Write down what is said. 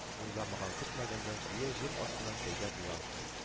Уйламаган-көтмәгәндә, гүя җир астыннан пәйда булган кебек